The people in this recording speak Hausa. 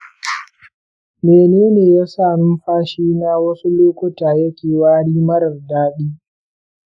mene yasa numfashi na wasu lokuta yake wari marar daɗi?